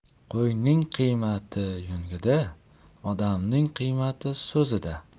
qo'yning qimmati yungida odamning qimmati so'zida